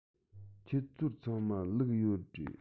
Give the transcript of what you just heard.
ཁྱོད ཚོ ཚང མར ལུག ཡོད རེད